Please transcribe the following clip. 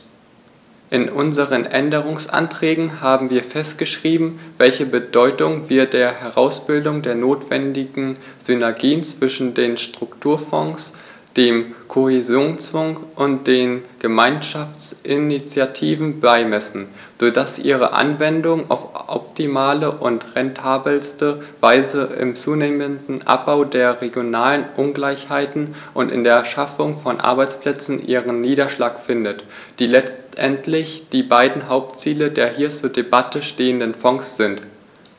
In unseren Änderungsanträgen haben wir festgeschrieben, welche Bedeutung wir der Herausbildung der notwendigen Synergien zwischen den Strukturfonds, dem Kohäsionsfonds und den Gemeinschaftsinitiativen beimessen, so dass ihre Anwendung auf optimale und rentabelste Weise im zunehmenden Abbau der regionalen Ungleichheiten und in der Schaffung von Arbeitsplätzen ihren Niederschlag findet, die letztendlich die beiden Hauptziele der hier zur Debatte stehenden Fonds sind.